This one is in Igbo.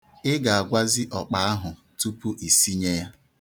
Ị ga-agwazi ọkpa ahụ tupu isinye ya.